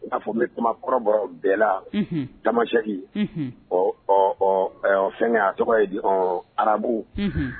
A fɔ n bɛ kuma kɔrɔbɔ bɛɛ la tamajɛki ɔ fɛn tɔgɔ ye di ɔ arabu